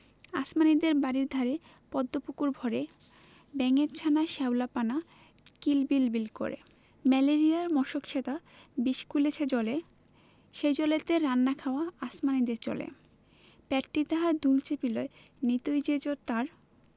আসমানীদের বাড়ির ধারে পদ্ম পুকুর ভরে ব্যাঙের ছানা শ্যাওলা পানা কিল বিল বিল করে ম্যালেরিয়ার মশক সেথা বিষ গুলিছে জলে সেই জলেতে রান্না খাওয়া আসমানীদের চলে পেটটি তাহার দুলছে পিলেয় নিতুই যে জ্বর তার